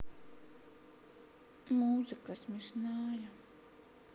музыка смешная